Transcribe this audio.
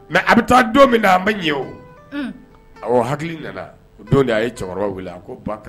Mais a bɛ taa don min na a ma ɲɛ o, un, awɔ hakili nana o don a ye cɛkɔrɔba wele a ko ba